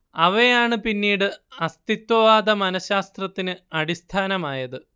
അവയാണ് പിന്നീട് അസ്തിത്വവാദ മനശാസ്ത്രത്തിന് അടിസ്ഥാനമായത്